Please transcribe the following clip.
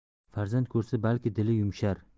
farzand ko'rsa balki dili yumshar